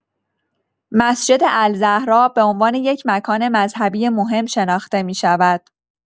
مسجد الزهراء به عنوان یک مکان مذهبی مهم شناخته می‌شود.